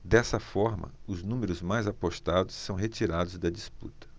dessa forma os números mais apostados são retirados da disputa